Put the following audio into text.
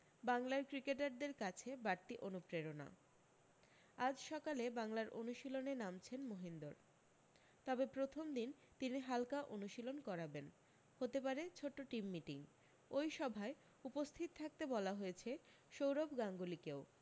বাংলার ক্রিকেটারদের কাছে বাড়তি অনুপ্রেরণা আজ সকালে বাংলার অনুশীলনে নামছেন মহিন্দর তবে প্রথম দিন তিনি হালকা অনুশীলন করাবেন হতে পারে ছোট্ট টিম মিটিং ওই সভায় উপস্থিত থাকতে বলা হয়েছে সৌরভ গাঙ্গুলিকেও